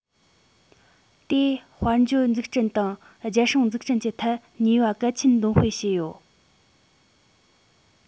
དེས དཔལ འབྱོར འཛུགས སྐྲུན དང རྒྱལ སྲུང འཛུགས སྐྲུན གྱི ཐད ནུས པ གལ ཆེན འདོན སྤེལ བྱས ཡོད